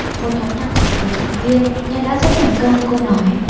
một nhóm nhạc chỉ có bốn thành viên những đã rất thành công cô nói